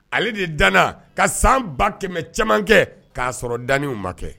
Ale de danna ka san ba kɛmɛ caman kɛ k'a sɔrɔ daliw ma kɛ.